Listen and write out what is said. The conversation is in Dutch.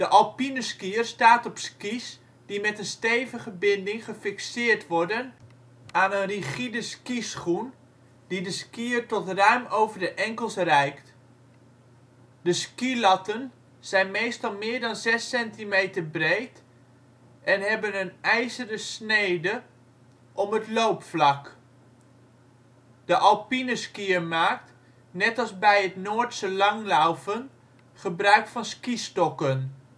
alpineskiër staat op ski 's die met een stevige binding gefixeerd worden aan een rigide skischoen die de skiër tot ruim over de enkels reikt. De skilatten zijn meestal meer dan 6 cm breed en hebben een ijzeren snede om het loopvlak. De alpineskiër maakt - net als bij het Noordse langlaufen - gebruik van skistokken